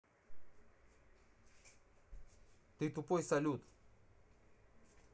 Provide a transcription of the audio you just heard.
ты тупой салют